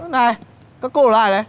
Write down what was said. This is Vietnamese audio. này các cô là ai đấy